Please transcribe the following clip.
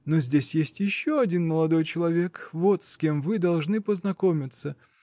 Но здесь есть еще один молодой человек; вот с кем вы должны познакомиться.